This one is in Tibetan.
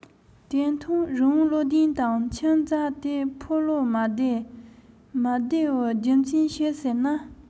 དེ མཐོང རི བོང བློ ལྡན དང ཁྱིམ བྱ དེ ཕོ བློ མ བདེ མ བདེའི རྒྱུ མཚན ཤོད ཟེར ན